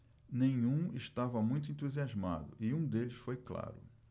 nenhum estava muito entusiasmado e um deles foi claro